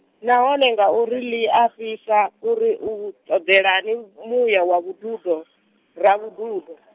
nahone ngauri ḽi a fhisa, uri u, ṱoḓelani muya wa vhududo, Ravhududo?